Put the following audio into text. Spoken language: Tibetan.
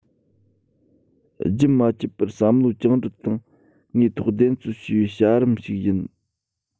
རྒྱུན མ ཆད པར བསམ བློ བཅིངས འགྲོལ དང དངོས ཐོག བདེན འཚོལ བྱས པའི བྱ རིམ ཞིག ཡིན